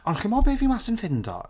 Ond chimod be fi wastad yn ffindo?